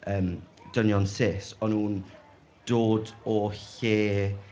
yym dynion cis, o'n nhw'n dod o lle...